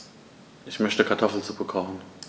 Ich möchte Kartoffelsuppe kochen.